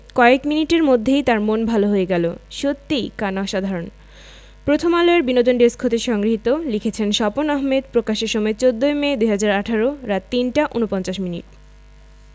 কয়েক মিনিটের মধ্যেই তার মন ভালো হয়ে গেল সত্যিই কান অসাধারণ প্রথমআলো এর বিনোদন ডেস্ক হতে সংগৃহীত লিখেছেনঃ স্বপন আহমেদ প্রকাশের সময় ১৪মে ২০১৮ রাত ৩টা ৪৯ মিনিট